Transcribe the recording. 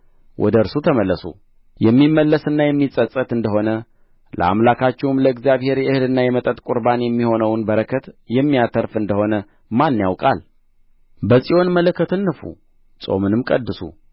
ወደ እርሱ ተመለሱ የሚመለስና የሚጸጸት እንደ ሆነ ለአምላካችሁም ለእግዚአብሔር የእህልና የመጠጥ ቁርባን የሚሆነውን በረከት የሚያተርፍ እንደ ሆነ ማን ያውቃል በጽዮን መለከትን ንፉ ጾምንም ቀድሱ